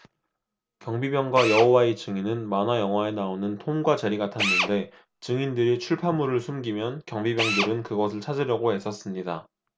경비병과 여호와의 증인은 만화 영화에 나오는 톰과 제리 같았는데 증인들이 출판물을 숨기면 경비병들은 그것을 찾으려고 애썼습니다